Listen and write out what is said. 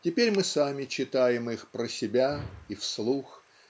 Теперь мы сами читаем их про себя и вслух